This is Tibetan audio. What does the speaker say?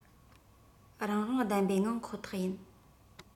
རང དབང ལྡན པའི ངང ཁོ ཐག ཡིན